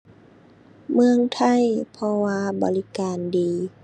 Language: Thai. เมืองไทย เพราะว่าบริการดี